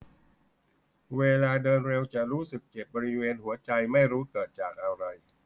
เวลาเดินเร็วจะรู้สึกเจ็บบริเวณหัวใจไม่รู้เกิดจากอะไร